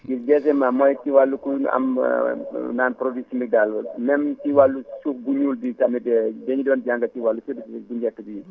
ñun deuxièmement mooy si wàllu pour ñu am naan produit chimique daal même si wàllu suuf bu ñuul bi tamit dañu doon jàng si wàllu * bu njëkk bi